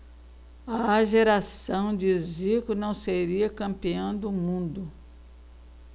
a geração de zico não seria campeã do mundo